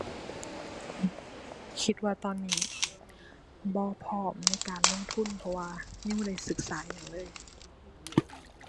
คิดว่าตอนนี้บ่พร้อมในการลงทุน เพราะว่ายังบ่ได้ศึกษาอิหยังเลย